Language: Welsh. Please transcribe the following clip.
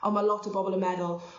on' ma' lot o bobol yn meddwl